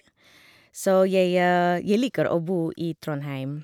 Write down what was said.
Så jeg jeg liker å bo i Trondheim.